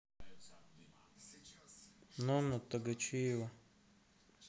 нонна тогочиева